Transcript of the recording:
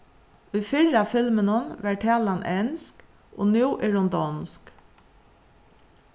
í fyrra filminum var talan ensk og nú er hon donsk